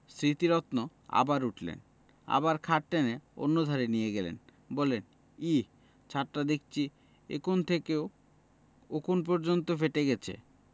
স্মৃতিরত্ন আবার উঠলেন আবার খাট টেনে অন্যধারে নিয়ে গেলেন বললেন ইঃ ছাতটা দেখচি এ কোণ থেকে ও কোণ পর্যন্ত ফেটে গেছে